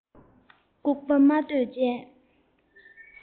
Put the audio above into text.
ལྐུགས པ སྨྲ འདོད ཅན